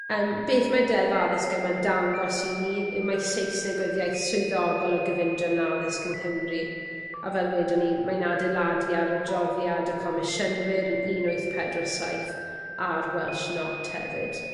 Yym beth mae'r deddf addysg yma'n dangos i ni yw mae Saesneg oedd iaith swyddogol y gyfundrefn addysg yng Nghymru a fel wedon ni, mae'n adeiladu ar adroddiad y Comisiynwyr yn un wyth pedwar saith a'r Welsh Not hefyd.